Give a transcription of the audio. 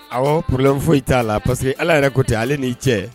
Ɔwɔ problème foyi t'a la parce que Ala yɛrɛ ko tɛ ale n'i cɛ.